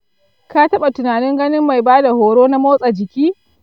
ka taɓa tunanin ganin mai ba da horo na motsa jiki?